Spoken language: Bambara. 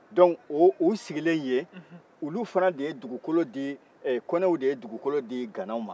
dɔnku u sigilen yen olu fana de ye dugukolo di ee konew de ye dugukolo di ganaw ma